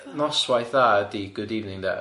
Ie noswaith dda ydi good evening de?